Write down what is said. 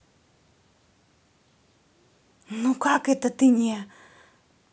ну как это ты не